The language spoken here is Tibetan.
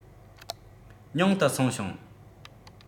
ཉུང དུ སོང ཞིང